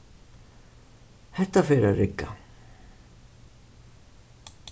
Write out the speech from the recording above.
hetta fer at rigga